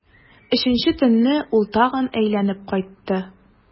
Өченче төнне ул тагын әйләнеп кайтты.